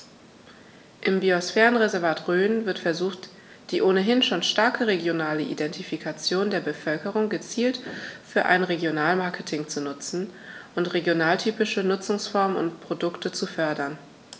Im Biosphärenreservat Rhön wird versucht, die ohnehin schon starke regionale Identifikation der Bevölkerung gezielt für ein Regionalmarketing zu nutzen und regionaltypische Nutzungsformen und Produkte zu fördern.